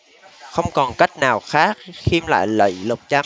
không còn cách nào khác khiêm lại lạy lục cha